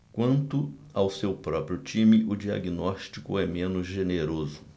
quanto ao seu próprio time o diagnóstico é menos generoso